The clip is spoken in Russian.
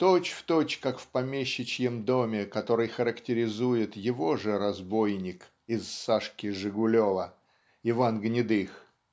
точь-в-точь как в помещичьем доме, который характеризует его же разбойник из "Сашки Жегулева", Иван Гнедых